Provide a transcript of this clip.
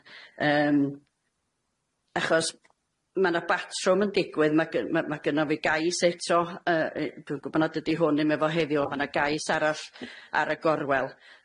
yym achos ma' 'na batrwm yn digwydd, ma' gy- ma' ma' gynno fi gais eto, yy yy dwi'n gwbod nad ydi hwn 'im efo heddiw on' ma' 'na gais arall ar y gorwel